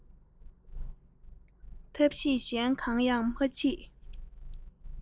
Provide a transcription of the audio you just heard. ཐབས ཤེས གཞན གང ཡང མ མཆིས